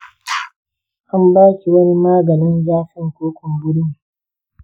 an baki wani maganin zafin ko kumburin?